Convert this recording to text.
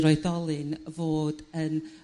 i'r oedolyn fod yn